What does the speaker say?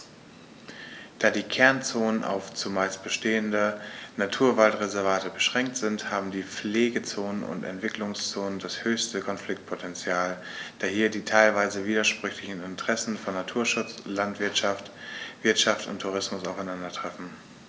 Da die Kernzonen auf – zumeist bestehende – Naturwaldreservate beschränkt sind, haben die Pflegezonen und Entwicklungszonen das höchste Konfliktpotential, da hier die teilweise widersprüchlichen Interessen von Naturschutz und Landwirtschaft, Wirtschaft und Tourismus aufeinandertreffen.